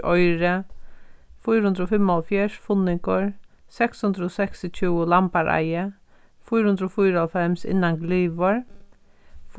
oyri fýra hundrað og fimmoghálvfjerðs funningur seks hundrað og seksogtjúgu lambareiði fýra hundrað og fýraoghálvfems innan glyvur